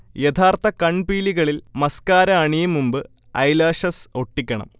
യഥാർത്ഥ കൺപീലികളിൽ മസ്കാര അണിയും മുമ്പ് ഐലാഷസ് ഒട്ടിക്കണം